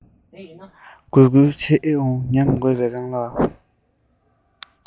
འགུལ འགུལ བྱེད ཨེ འོང སྙམ དགོས པའི རྐང ལག